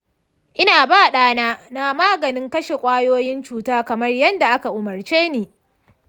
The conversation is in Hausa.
ina ba dana na maganin kashe kwayoyin cuta kamar yadda aka umarce ni.